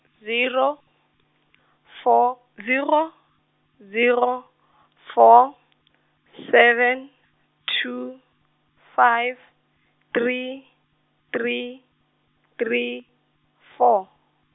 zero , four zero, zero, four , seven, two, five, three, three, three, four.